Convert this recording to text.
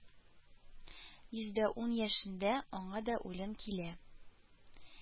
Йөз дә ун яшендә аңа да үлем килә